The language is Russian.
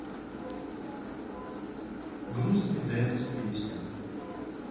грустный дэнс песня